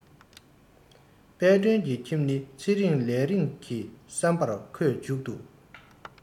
དཔལ སྒྲོན གྱི ཁྱིམ ནི ཚེ རིང ལས རིང གི བསམ པར ཁོས མཇུག ཏུ